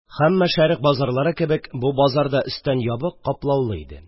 Һәммә шәрык базарлары кебек, бу базар да өстән ябык, каплаулы иде